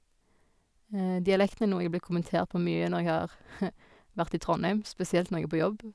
Dialekten er noe jeg er blitt kommentert på mye når jeg har vært i Trondheim, spesielt når jeg er på jobb.